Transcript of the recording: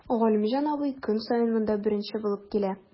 Галимҗан абый көн саен монда беренче булып килә.